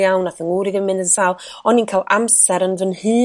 iawn a'th yng ngŵr i ddim mynd yn sâl on i'n ca'l amser yn fy nhŷ